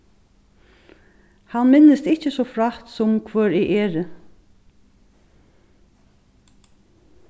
hann minnist ikki so frægt sum hvør eg eri